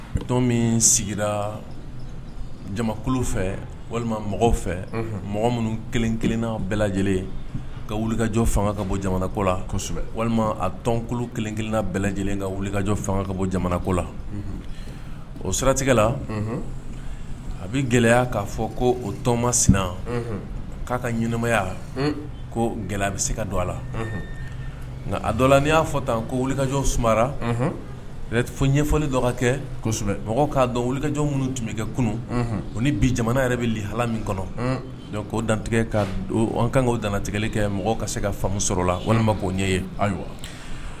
To min sigira jamanamankolon fɛ walima mɔgɔw fɛ mɔgɔ minnu kelen kelenna bɛɛ lajɛlen ka wulikajɔ fanga ka bɔ jamana lasɛbɛ walima a tɔnonkulu kelen bɛ lajɛlen ka wulikajɔ fanga ka bɔ jamanako la o siratigɛla a bɛ gɛlɛyaya'a fɔ ko o tɔnma sina k'a ka ɲmaya ko gɛlɛya bɛ se ka don a la nka a dɔ la ni y'a fɔ tan ko wulikajɔ suma fɔ ɲɛfɔli dɔgɔ ka kɛ kosɛbɛa dɔn wulikajɔ minnu tun bɛ kɛ kunun bi jamana yɛrɛ bɛ hala min kɔnɔ k'o dantigɛ ka dantigɛ kɛ mɔgɔ ka se ka sɔrɔ la walima k'o ɲɛ ye ayiwa